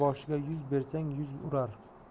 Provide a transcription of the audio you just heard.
yuzboshiga yuz bersang yuz urar